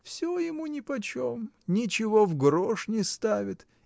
— Всё ему нипочем, ничего в грош не ставит!